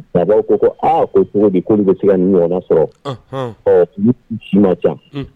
aa ko cogodi ko olu bɛ se ka nin ɲɔgɔna sɔrɔ si ma ca.